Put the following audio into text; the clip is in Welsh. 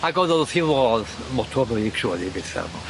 Ag o'dd o wrth 'i fodd motorbikes oedd ei betha fo.